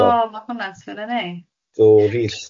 O ma' hwnna'n swnio'n neis. So ryst